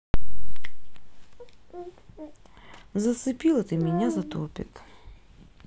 зацепила ты меня меня затопит